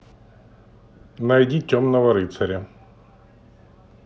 найди темного рыцаря